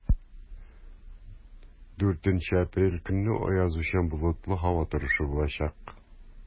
4 апрель көнне аязучан болытлы һава торышы булачак.